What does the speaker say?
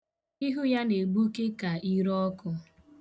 Ihu ya na-egbuke ka irọọkụ.